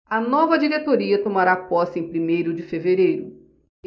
a nova diretoria tomará posse em primeiro de fevereiro